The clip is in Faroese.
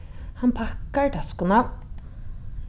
hann pakkar taskuna